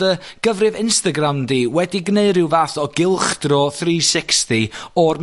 dy gyfrif Instagram di wedi gneu' ryw fath o gylchdro three sixty o'r